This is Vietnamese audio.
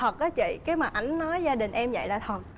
thật á chị cái mà ảnh nói gia đình em vậy là thật